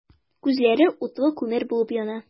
Күзләре утлы күмер булып яна.